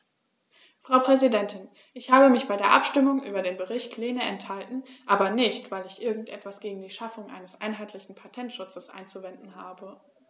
Frau Präsidentin, ich habe mich bei der Abstimmung über den Bericht Lehne enthalten, aber nicht, weil ich irgend etwas gegen die Schaffung eines einheitlichen Patentschutzes einzuwenden habe.